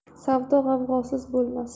savdo g'avg'osiz bo'lmas